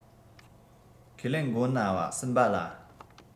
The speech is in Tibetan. ཁས ལེན མགོ ན བ སྲུན པ ལ